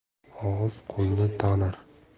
og'iz qo'lni tanir